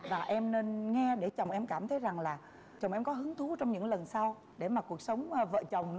và em nên nghe để chồng em cảm thấy rằng là chồng em có hứng thú trong những lần sau để mà cuộc sống vợ chồng nó